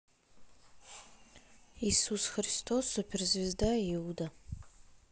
иисус христос суперзвезда иуда